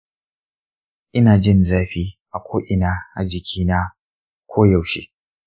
ina jin zafi a ko’ina a jikina koyaushe.